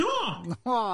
O!